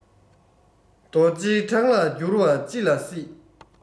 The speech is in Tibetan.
རྡོ རྗེའི བྲག ལ འགྱུར བ ཅི ལ སྲིད